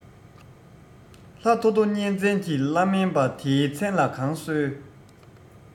ལྷ ཐོ ཐོ གཉན བཙན གྱི བླ སྨན པ དེའི མཚན ལ གང གསོལ